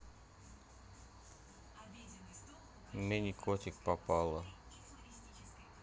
minikotic попало